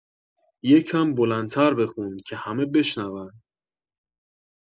یه کم بلندتر بخون که همه بشنون